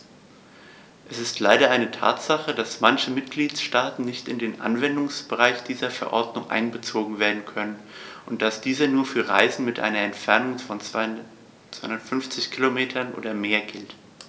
Es ist leider eine Tatsache, dass manche Mitgliedstaaten nicht in den Anwendungsbereich dieser Verordnung einbezogen werden können und dass diese nur für Reisen mit einer Entfernung von 250 km oder mehr gilt.